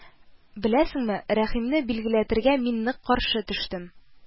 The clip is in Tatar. Беләсеңме, Рәхимне билгеләтергә мин ник каршы төштем